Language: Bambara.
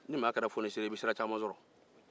ni maa kɛra fonisire ye i bɛ sira caman sɔrɔ